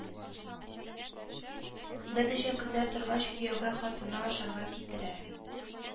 Берничә көннәр торгач кияүгә хатыны ашарга китерә